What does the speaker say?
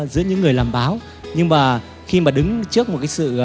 giữa những người làm báo nhưng mà khi mà đứng trước một cái sự